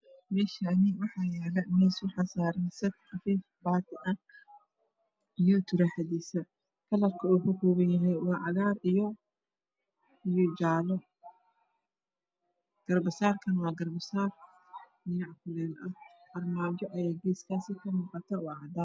Meeshaan waxaa yaalo miis waxaa saaran sad qafiif ah oo baatiya iyo taraaxadiisa kalarka uu ka kooban yahay waa cagaar iyo jaale garbasaarka waa jaale. Armaajada halkaas kamuuqdo waa cadaan.